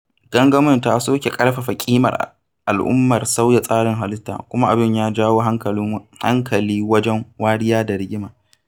Gangamin ta sake ƙarfafa ƙimar al'ummar sauya tsarin halitta; kuma abin ya jawo hankali wajen wariya da rigima.